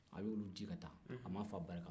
a y'olu di ka taa a ma fɔ a barika